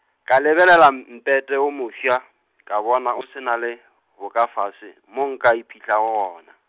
ka lebelela m- Mpete wo mofsa, ka bona o se na le, bokafase mo nka iphihlago gona.